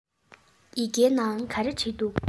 ཡི གེའི ནང ག རེ བྲིས འདུག